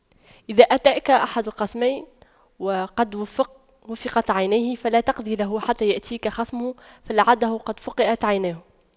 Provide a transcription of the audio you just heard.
إذا أتاك أحد الخصمين وقد فُقِئَتْ عينه فلا تقض له حتى يأتيك خصمه فلعله قد فُقِئَتْ عيناه